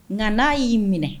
Nka n'a y'i minɛ